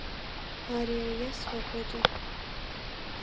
ария я свободен